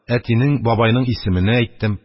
Әтинең, бабайның исемене әйттем.